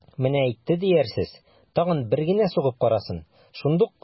Менә әйтте диярсез, тагын бер генә сугып карасын, шундук...